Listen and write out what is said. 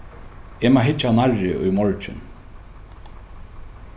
eg má hyggja nærri í morgin